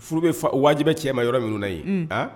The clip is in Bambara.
Furu bɛ fa wajibiya cɛ ma yɔrɔ minnu na yen, unhun.